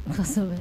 Faso kosɛbɛ